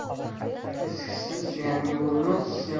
eskisiz yangi bo'lmas